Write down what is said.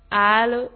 Aalo